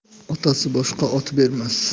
otasi boshqa ot bermas